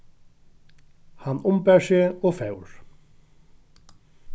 hann umbar seg og fór